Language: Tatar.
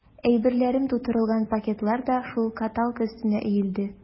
Әйберләрем тутырылган пакетлар да шул каталка өстенә өелде.